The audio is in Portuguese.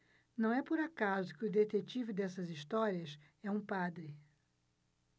não é por acaso que o detetive dessas histórias é um padre